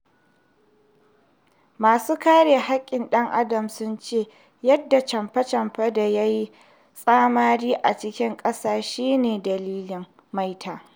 Masu kare hƙƙin ɗan adam sun ce yarda da camfe camfe da ya yi tsamari a cikin ƙasa shi ne dalilin maita.